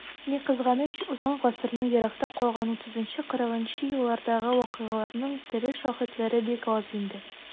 Ни кызганыч, узган гасырның еракта калган 30-40 нчы елларындагы вакыйгаларның тере шаһитлары бик аз инде.